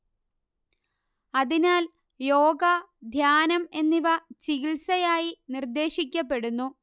അതിനാൽ യോഗ ധ്യാനം എന്നിവ ചികിത്സയായി നിർദ്ദേശിക്കപ്പെടുന്നു